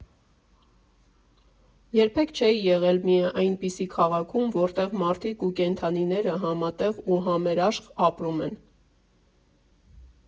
Երբեք չէի եղել մի այնպիսի քաղաքում, որտեղ մարդիկ ու կենդանիները համատեղ ու համերաշխ ապրում են։